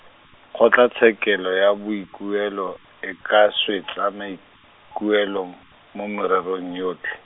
Kgotlatshekelo ya Boikuelo, e ka swetsa maikuelo, mo mererong yotlhe.